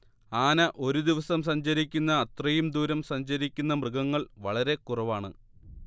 ആന ഒരു ദിവസം സഞ്ചരിക്കുന്ന അത്രയും ദൂരം സഞ്ചരിക്കുന്ന മൃഗങ്ങൾ വളരെ കുറവാണ്